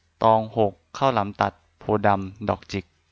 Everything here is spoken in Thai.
ตองหกข้าวหลามตัดโพธิ์ดำดอกจิก